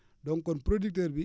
donc kon producteur bi